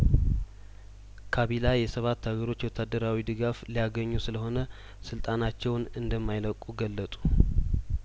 ካቢላ የሰባት አገሮች ወታደራዊ ድጋፍ ሊያገኙ ስለሆነ ስልጣናቸውን እንደማይለቁ ገለጡ